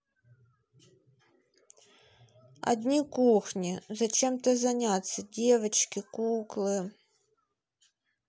одни кухни зачем то заняться девочки куклы